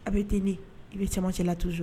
A bɛ tinin i bɛ samamasila tusu